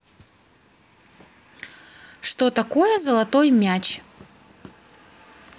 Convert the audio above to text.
что такое золотой мяч